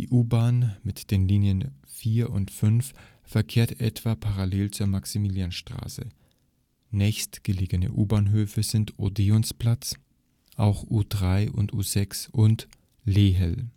U-Bahn mit den Linien 4 und 5 verkehrt etwa parallel zur Maximilianstraße; nächstgelegene U-Bahnhöfe sind Odeonsplatz (auch U3 und U6) und Lehel